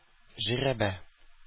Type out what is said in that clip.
Жирәбә